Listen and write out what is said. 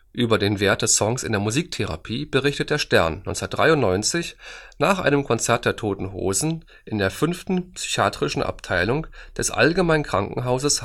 Über den Wert des Songs in der Musiktherapie berichtet der Stern 1993 nach einem Konzert der Toten Hosen in der 5. Psychiatrischen Abteilung des Allgemeinen Krankenhauses